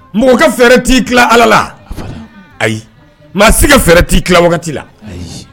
Mɔgɔkɛ fɛrɛɛrɛ t'i ki ala la ayi maa si kaɛrɛ t'i ki wagati la ayi